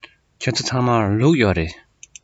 ཁྱེད ཚོ ཚང མར ལུག ཡོད རེད